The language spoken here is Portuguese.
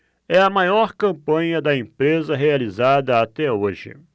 é a maior campanha da empresa realizada até hoje